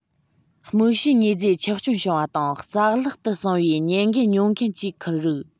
དམིགས བྱའི དངོས རྫས ཆག སྐྱོན བྱུང བ དང རྩ བརླག ཏུ སོང བའི ཉེན འགན ཉོ མཁན གྱིས འཁུར རིགས